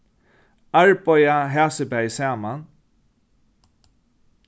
arbeiða hasi bæði saman